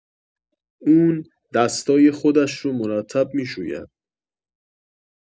اون دستای خودش رو مرتب می‌شوید